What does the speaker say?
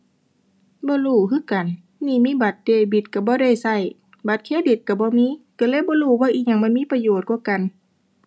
บ่รู้คือกัน นี่มีบัตรเดบิตก็บ่ได้ก็ บัตรเครดิตก็บ่มี ก็เลยบ่รู้ว่าอิหยังมันมีประโยชน์กว่ากัน